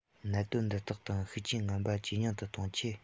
གནད དོན འདི དག དང ཤུགས རྐྱེན ངན པ ཇེ ཉུང དུ གཏོང ཆེད